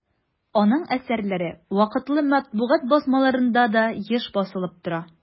Аның әсәрләре вакытлы матбугат басмаларында да еш басылып тора.